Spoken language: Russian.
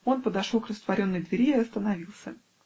Он подошел к растворенной двери и остановился.